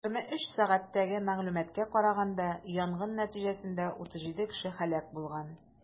23:00 сәгатьтәге мәгълүматка караганда, янгын нәтиҗәсендә 37 кеше һәлак булган.